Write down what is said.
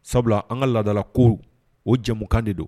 Sabula an ka laadadala kurw, o jamukan de don